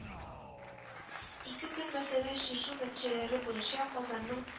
Ике көн мәсьәлә чишү нәтиҗәләре буенча Казанның